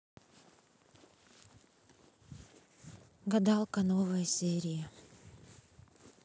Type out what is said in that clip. гадалка новые серии